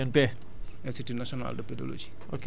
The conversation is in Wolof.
ci INP la ko gouvernement bi jaarale